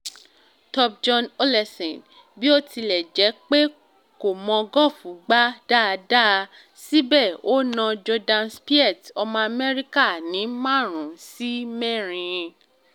Thorbjorn Olesen, bí ó tilẹ̀ jẹ́ pé kò mọ gọ́ọ̀fù gbá dáadáa, síbẹ̀ ó na Jordan Spieth, ọmọ Amẹ́ríkà ní 5 sí 4.